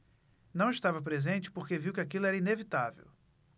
não estava presente porque viu que aquilo era inevitável